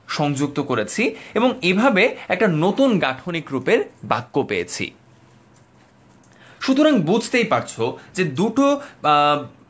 সংযুক্ত করেছি এভাবে নতুন গাঠনিক রূপে বাক্য পেয়েছে সুতরাং বুঝতেই পারছ যে দুটো